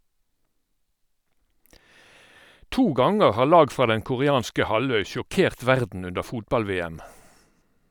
To ganger har lag fra den koreanske halvøy sjokkert verden under fotball-VM.